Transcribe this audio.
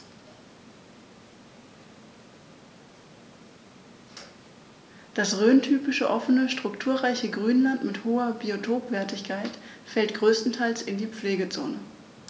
Das rhöntypische offene, strukturreiche Grünland mit hoher Biotopwertigkeit fällt größtenteils in die Pflegezone.